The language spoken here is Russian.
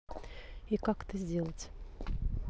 и как это сделать